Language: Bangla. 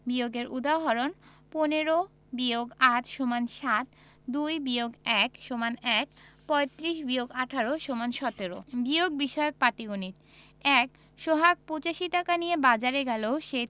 বিয়োগের উদাহরণঃ ১৫ – ৮ = ৭ ২ - ১ =১ ৩৫ – ১৮ = ১৭ বিয়োগ বিষয়ক পাটিগনিতঃ ১ সোহাগ ৮৫ টাকা নিয়ে বাজারে গেল সে